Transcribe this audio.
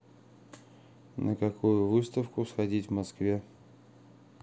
на какую выставку сходить в москве